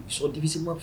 Il sont difficilement f